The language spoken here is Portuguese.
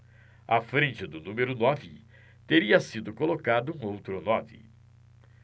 à frente do número nove teria sido colocado um outro nove